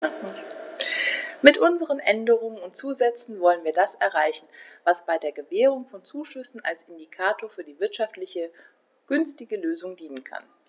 Mit unseren Änderungen und Zusätzen wollen wir das erreichen, was bei der Gewährung von Zuschüssen als Indikator für die wirtschaftlich günstigste Lösung dienen kann.